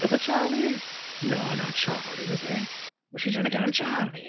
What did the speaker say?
Ife Charlie? No, not Charlie, was it? Was she trying to get on Charlie?